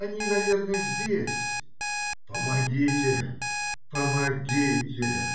Они, наверное, здесь. " Помогите!. Помогите!